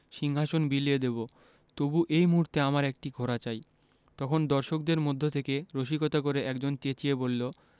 সিংহাশন বিলিয়ে দেবো তবু এই মুহূর্তে আমার একটি ঘোড়া চাই তখন দর্শকদের মধ্য থেকে রসিকতা করে একজন চেঁচিয়ে বললো